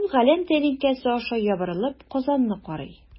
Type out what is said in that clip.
Авыл галәм тәлинкәсе аша ябырылып Казанны карый.